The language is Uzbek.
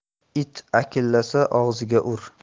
it akillasa og'ziga ur